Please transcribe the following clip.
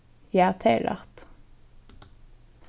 ja tað er rætt